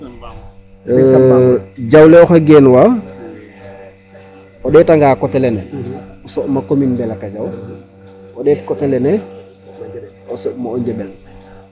e% Diawle oxey geenwa o ɗeetanga coté lene no commune Mbellacdiao ɗeet coté lene o soɓ ma o Njembele.